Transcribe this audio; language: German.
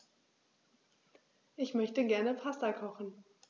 Ich möchte gerne Pasta kochen.